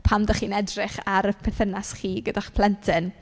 Pan dach chi'n edrych ar perthynas chi gyda'ch plentyn.